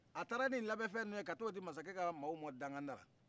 a taara ni nin labɛn fɛn ninnu ye ka ta'o di mansakɛ ka mɔgɔw ma dangan da la